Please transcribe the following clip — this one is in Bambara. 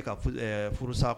Ka furu sa